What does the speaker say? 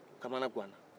u kamana ganna